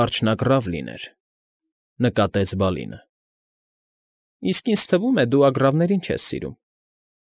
Արջնագռավ լիներ,֊ նկատեց Բալինը։ ֊ Իսկ ինձ թվում է, դու ագռավներին չես սիրում։